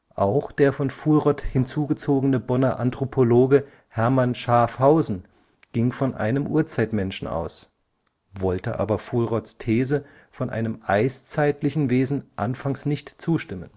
Auch der von Fuhlrott hinzugezogene Bonner Anthropologe Hermann Schaaffhausen ging von einem Urzeitmenschen aus, wollte aber Fuhlrotts These von einem eiszeitlichen Wesen anfangs nicht zustimmen